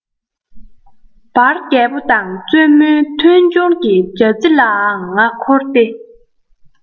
བར རྒྱལ པོ དང བཙུན མོའི མཐུན སྦྱོར གྱི སྦྱར རྩི ལའང ང མཁོ སྟེ